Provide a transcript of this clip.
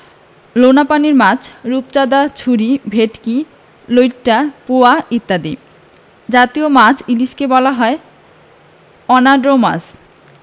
লোনাপানির মাছ রূপচাঁদা ছুরি ভেটকি লইট্ট পোয়া ইত্যাদি জতীয় মাছ ইলিশকে বলা হয় অ্নাড্রোমাস